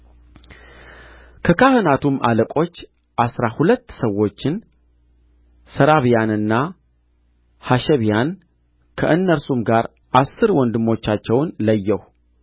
ከካህናቱም አለቆች አሥራ ሁለት ሰዎችን ሰራብያንና ሐሸቢያን ከእነርሱም ጋር አሥር ወንድሞቻቸውን ለየሁ